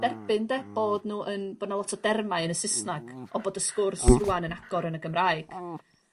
derbyn 'de bod nw yn bo' 'na lot o dermau yn y Sysnag on' bod y sgwrs rŵan yn agor yn y Gymraeg.